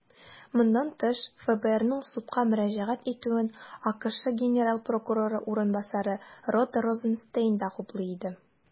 Моннан тыш, ФБРның судка мөрәҗәгать итүен АКШ генераль прокуроры урынбасары Род Розенстейн да хуплый иде.